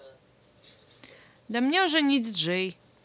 дай мне уже не dj